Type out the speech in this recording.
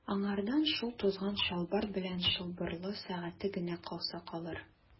Аңардан шул тузган чалбар белән чылбырлы сәгате генә калса калыр.